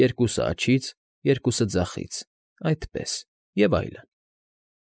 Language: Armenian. Երկուս֊ս֊սը աջից, երկուս֊ս֊սը ձախից, այդպես֊ս֊ս, այդպես֊ս֊ս»։